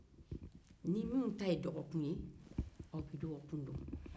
ni minnu ta ye dɔgɔkun ye aw be dɔgɔkun kɛ